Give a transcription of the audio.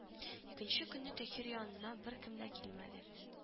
Икенче көнне Тәһир янына беркем дә килмәде